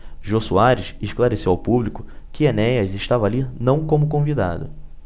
jô soares esclareceu ao público que enéas estava ali não como convidado